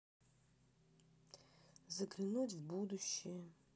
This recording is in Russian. заглянуть в будущее